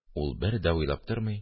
Ул бер дә уйлап тормый